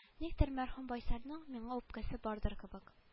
Никтер мәрхүм байсарның миңа үпкәсе бардыр кебек